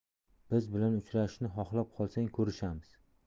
biz bilan uchrashishni xohlab qolsang ko'rishamiz